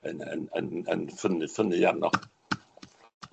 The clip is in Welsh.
Yn yn yn yn ffynnu ffynnu arno.